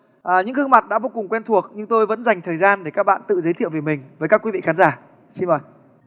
ờ những gương mặt đã vô cùng quen thuộc nhưng tôi vẫn dành thời gian để các bạn tự giới thiệu về mình với các quý vị khán giả xin mời